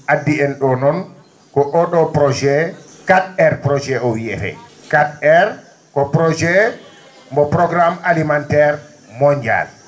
addi en ?oo noon ko oo ?oo projet quatre R projet oo wiyeree quatre R ko projet mbo programmme alimentaire mondiale